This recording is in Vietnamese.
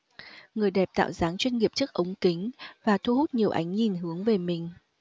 người đẹp tạo dáng chuyên nghiệp trước ống kính và thu hút nhiều ánh nhìn hướng về mình